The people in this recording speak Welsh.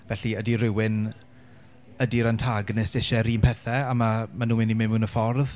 Felly ydy rywun... ydy'r antagonist isie yr un pethe a ma' maen nhw'n mynd i mewn y ffordd?